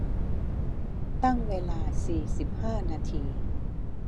ตั้งเวลาสี่สิบห้านาที